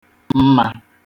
mmā